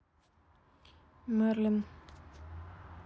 мерлин